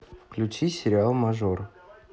включить сериал мажор